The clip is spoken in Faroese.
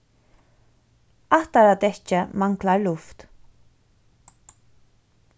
aftara dekkið manglar luft